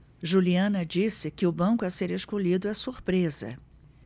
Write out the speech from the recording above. juliana disse que o banco a ser escolhido é surpresa